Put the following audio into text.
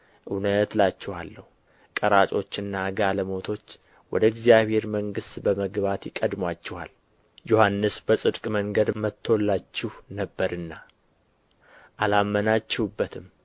እውነት እላችኋለሁ ቀራጮችና ጋለሞቶች ወደ እግዚአብሔር መንግሥት በመግባት ይቀድሙአችኋል ዮሐንስ በጽድቅ መንገድ መጥቶላችሁ ነበርና አላመናችሁበትም